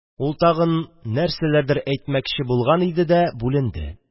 Ул тагын нәрсәләрдер әйтмәкче иде дә, бүленде